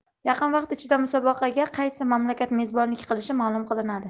yaqin vaqt ichida musobaqaga qaysi mamlakat mezbonlik qilishi ma'lum qilinadi